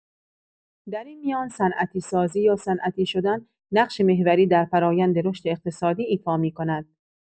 در این میان، صنعتی‌سازی یا صنعتی شدن، نقش محوری در فرایند رشد اقتصادی ایفا می‌کند؛